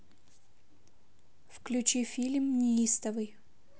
включи фильм неистовый